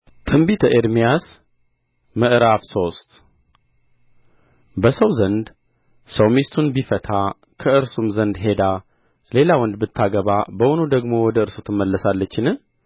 ትንቢተ ኤርምያስ ምዕራፍ ሶስት በሰው ዘንድ ሰው ሚስቱን ቢፈታ ከእርሱም ዘንድ ሄዳ ሌላ ወንድ ብታገባ በውኑ ደግሞ ወደ እርሱ ትመለሳለችን